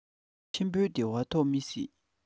ཆེན པོའི བདེ བ ཐོབ མི སྲིད